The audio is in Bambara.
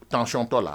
Tcɔntɔ la